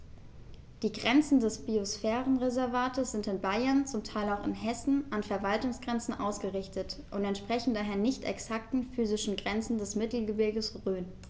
Die Grenzen des Biosphärenreservates sind in Bayern, zum Teil auch in Hessen, an Verwaltungsgrenzen ausgerichtet und entsprechen daher nicht exakten physischen Grenzen des Mittelgebirges Rhön.